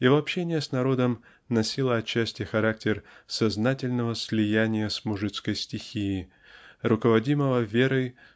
его общение с народом носило отчасти характер сознательного слияния с мужицкой стихией руководимого верой